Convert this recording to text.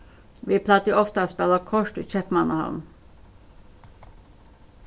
vit plagdu ofta at spæla kort í keypmannahavn